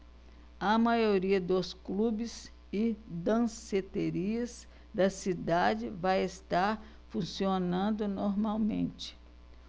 a maioria dos clubes e danceterias da cidade vai estar funcionando normalmente